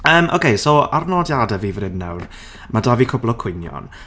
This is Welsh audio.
Yym, OK, so ar nodiadau fi fan hyn nawr, ma' 'da fi cwpl o cwynion.